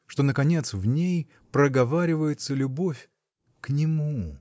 что, наконец, в ней проговаривается любовь. к нему.